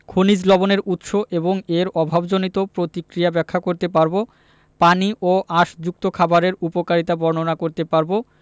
খনিজ লবণের উৎস এবং এর অভাবজনিত প্রতিক্রিয়া ব্যাখ্যা করতে পারব পানি ও আশযুক্ত খাবারের উপকারিতা বর্ণনা করতে পারব